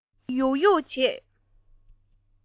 མགོ བོ གཡུག གཡུག བྱེད